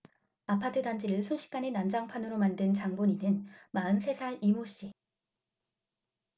아파트 단지를 순식간에 난장판으로 만든 장본인은 마흔 세 살 이 모 씨